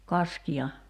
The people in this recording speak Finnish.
kaskia